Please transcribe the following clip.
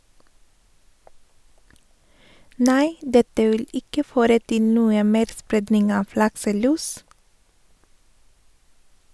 Nei, dette vil ikke føre til noe mer spredning av lakselus